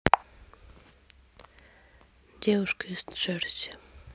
девушка из джерси